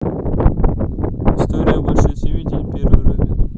история большой семьи день первый робин